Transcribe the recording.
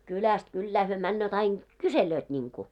kylästä kylään he menevät aina kyselevät niin kuin